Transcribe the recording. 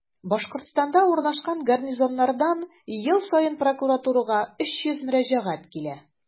Башкортстанда урнашкан гарнизоннардан ел саен прокуратурага 300 мөрәҗәгать килә.